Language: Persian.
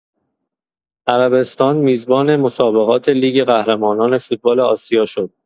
عربستان میزبان مسابقات لیگ قهرمانان فوتبال آسیا شد.